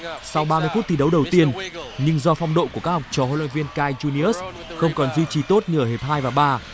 sau ba mươi phút thi đấu đầu tiên nhưng do phong độ của các học trò huấn luyện viên cai du li ớt không còn duy trì tốt như ở hiệp hai và bà